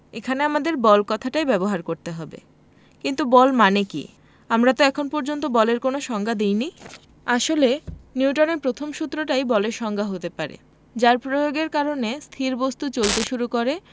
এখানে আমাদের বল কথাটাই ব্যবহার করতে হবে কিন্তু বল মানে কী আমরা তো এখন পর্যন্ত বলের কোনো সংজ্ঞা দিইনি আসলে নিউটনের প্রথম সূত্রটাই বলের সংজ্ঞা হতে পারে যার প্রয়োগের কারণে স্থির বস্তু চলতে শুরু করে